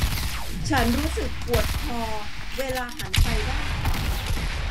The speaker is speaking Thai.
ฉันรู้สึกปวดคอเวลาหันไปด้านขวา